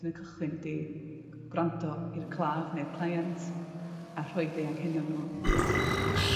yn y cychwyn ydi gwrando i'r claf neu'r client a rhoid eu anghenion n'w yn gynta.